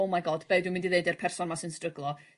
o my God be' dwi mynd i ddeud i'r person 'ma sy'n stryglo?